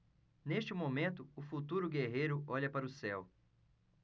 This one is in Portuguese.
neste momento o futuro guerreiro olha para o céu